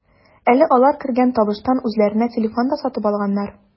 Әле алар кергән табыштан үзләренә телефон да сатып алганнар.